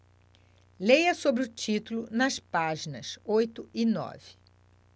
leia sobre o título nas páginas oito e nove